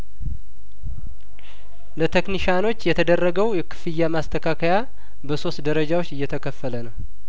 ለተክኒሻ ኖች የተደረገው የክፍያ ማስተካከያ በሶስት ደረጃዎች እየተከፈለነው